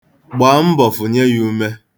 Gbaa mbọ fụnye ya ume.